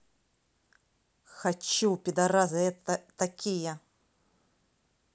хочу пидарасы это такие